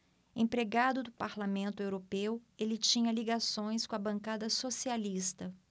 empregado do parlamento europeu ele tinha ligações com a bancada socialista